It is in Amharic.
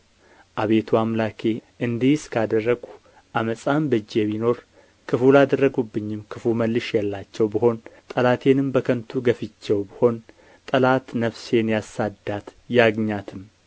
አቤቱ አምላኬ እንዲህስ ካደረግሁ ዓመፃም በእጄ ቢኖር ክፉ ላደረጉብኝም ክፉን መልሼላቸው ብሆን ጠላቴንም በከንቱ ገፍቼው ብሆን ጠላት ነፍሴን ያሳድዳት ያግኛትም